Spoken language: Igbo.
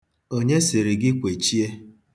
Onye sịrị gị kwechie?